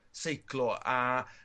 seiclo a